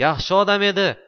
yaxshi odam edi